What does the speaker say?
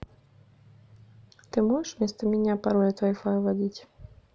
ты можешь вместо меня пароль от вай фая вводить